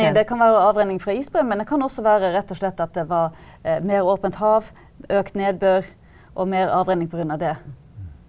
det kan være avrenning fra isbreen, men det kan også være rett og slett at det var mer åpent hav, økt nedbør og mer avrenning pga. det.